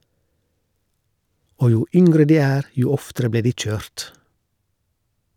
Og jo yngre de er, jo oftere ble de kjørt.